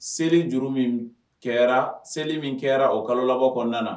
Seli duuru min kɛra seli min kɛra o kalo labanbɔ kɔnɔna kɔnɔna